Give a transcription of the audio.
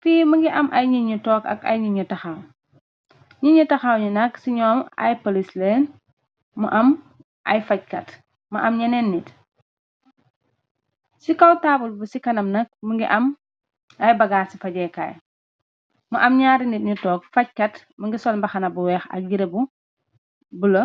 Fii mungi am ay nit ñu toog ak ay ñit ñu taxaw. Ni ñu taxaw ñu nak ci ñoom ay polis leen, mu am ay fajkat mu am ñeneen nit, ci kaw taabul bi ci kanam nak mungi am ay bagaas ci fajeekaay, mu am gñaari nit ñu toog , fajkat mi ngi sol mbaxana bu weex ak gireb bulo